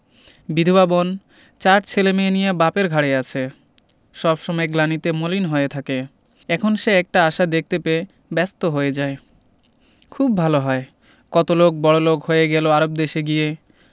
বিধবা বোন চার ছেলেমেয়ে নিয়ে বাপের ঘাড়ে আছে সব সময় গ্লানিতে মলিন হয়ে থাকে এখন সে একটা আশা দেখতে পেয়ে ব্যস্ত হয়ে যায় খুব ভালো হয় কত লোক বড়লোক হয়ে গেল আরব দেশে গিয়ে